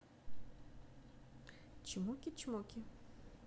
чмоки чмоки